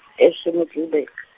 ese- Middelburg.